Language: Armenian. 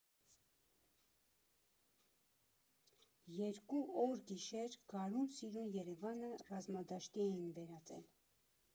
Երկու օր֊գիշեր գարուն֊սիրուն Երևանը ռազմադաշտի էին վերածել։